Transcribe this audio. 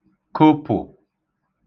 kopụ̀